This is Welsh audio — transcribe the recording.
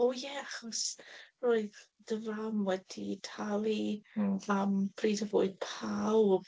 O, ie, achos roedd dy fam wedi talu... Mm. ...am pryd o fwyd pawb.